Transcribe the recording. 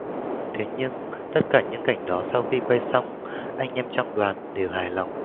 thế nhưng tất cả những cảnh đó sau khi quay xong anh em trong đoàn đều hài lòng